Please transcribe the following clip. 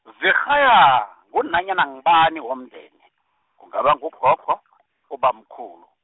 zirhaywa, ngunanyana ngubani womndeni, kungaba ngugogo, ubamkhulu.